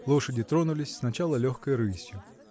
лошади тронулись сначала легкой рысью.